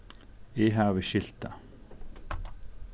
eg havi skilt tað